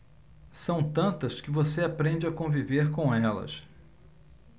são tantas que você aprende a conviver com elas